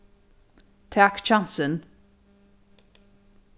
tak kjansin